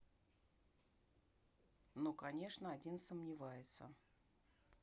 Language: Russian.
ну конечно один сомневается